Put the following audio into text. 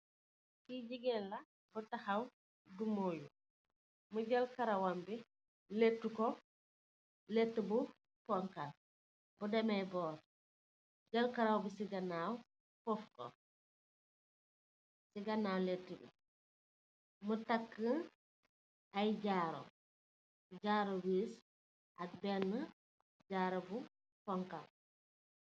Lii jegueen wou tahkaw jokey gannaw mougui letou takka amb jarrou ci lokoham